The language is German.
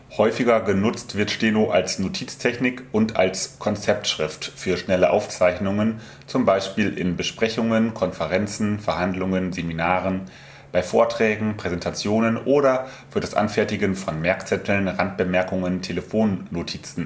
Häufiger genutzt wird Steno als Notiztechnik und als Konzeptschrift für schnelle Aufzeichnungen z. B. in Besprechungen, Konferenzen, Verhandlungen, Seminaren, bei Vorträgen/Präsentationen oder für das Anfertigen von Merkzetteln, Randbemerkungen, Telefonnotizen etc.